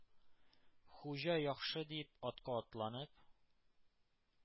Хуҗа: «Яхшы»,— дип, атка атланып,